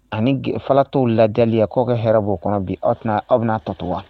Ani fa t tɔw laya kɔ kɛ hɛrɛbɔ kɔnɔ bi aw tɛna aw bɛ'a tɔ to wa